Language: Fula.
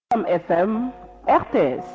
matam FM, RTS